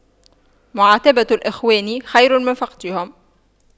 معاتبة الإخوان خير من فقدهم